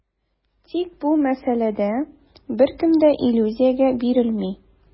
Тик бу мәсьәләдә беркем дә иллюзиягә бирелми.